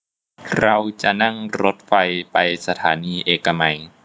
เราจะนั่งรถไฟไปสถานีเอกมัย